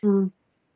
Hmm.